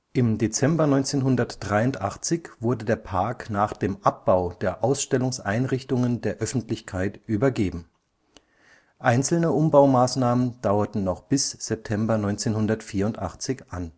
Im Dezember 1983 wurde der Park nach dem Abbau der Ausstellungseinrichtungen der Öffentlichkeit übergeben. Einzelne Umbaumaßnahmen dauerten noch bis September 1984 an